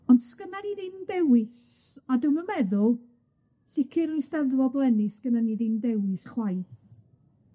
Ond sgynna ni ddim dewis, a dwi'm yn meddwl, sicir yn Eisteddfod leni sgynna ni ddim dewis chwaith.